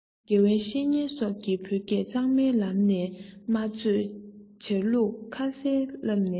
དགེ བའི བཤེས གཉེན སོགས ཀྱི བོད སྐད གཙང མའི ལམ ལས སྨྲ བརྗོད བྱ ལུགས ཁ གསལ བསླབ ནས